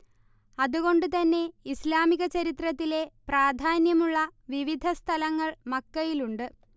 അത് കൊണ്ട് തന്നെ ഇസ്ലാമിക ചരിത്രത്തിലെ പ്രാധാന്യമുള്ള വിവിധ സ്ഥലങ്ങൾ മക്കയിലുണ്ട്